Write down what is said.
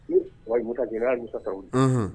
Wata jɛnɛ' nin sara u